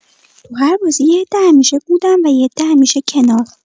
تو هر بازی، یه عده همیشه بودن و یه عده همیشه کنار.